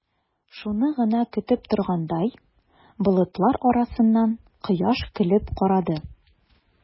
Шуны гына көтеп торгандай, болытлар арасыннан кояш көлеп карады.